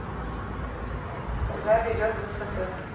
куда ведет зсд